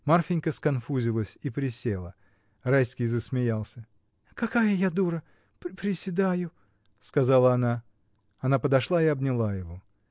Марфинька сконфузилась и присела. Райский засмеялся. — Какая я дура — приседаю! — сказала она. Она подошла и обняла его.